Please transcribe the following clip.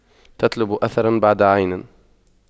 تطلب أثراً بعد عين